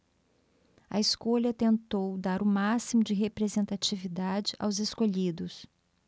a escolha tentou dar o máximo de representatividade aos escolhidos